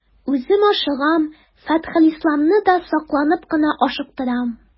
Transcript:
Үзем ашыгам, Фәтхелисламны да сакланып кына ашыктырам.